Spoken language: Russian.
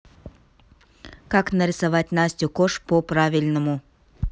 как нарисовать настю кош по правильному